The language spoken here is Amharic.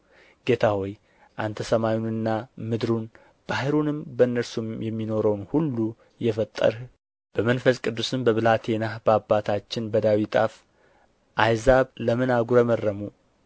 ጌታ ሆይ አንተ ሰማዩንና ምድሩን ባሕሩንም በእነርሱም የሚኖረውን ሁሉ የፈጠርህ በመንፈስ ቅዱስም በብላቴናህ በአባታችን በዳዊት አፍ አሕዛብ ለምን አጕረመረሙ